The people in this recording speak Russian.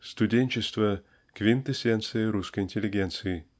Студенчество -- квинтэссенция русской интеллигенции.